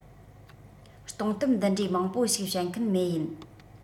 སྟོང གཏམ འདི འདྲའི མང པོ ཞིག བཤད མཁན མེད ཡིན